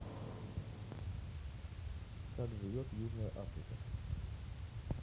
как живет южная африка